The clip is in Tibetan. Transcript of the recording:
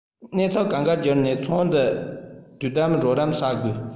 གནས ཚུལ གང དགར བསྒྱུར ནས ཚོགས འདུ དེས འདེམས རོགས རམ བྱ དགོས